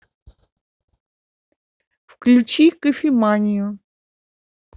включи кофеманию